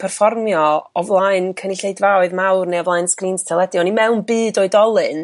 perfformio o flaen cynlleidfaoedd mawr neu o flaen sgrins teledu oni mewn byd oedolyn